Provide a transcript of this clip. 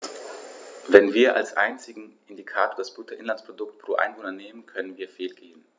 Wenn wir als einzigen Indikator das Bruttoinlandsprodukt pro Einwohner nehmen, können wir fehlgehen.